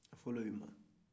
a fɔra olu ma